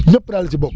ñëpp daal a ci bokk